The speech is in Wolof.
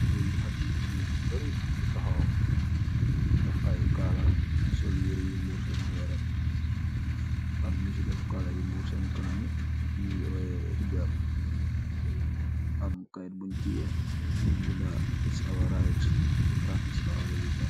Ay xaleh yu jigeen yu bari yu taxaw deff ay kala sol yereh yu morr sen yarambi am nyu si def kala yu morr sen kanabi yu nyu oyeh hijab am keyt bun tiyeh bung benda is our right to practice our religion.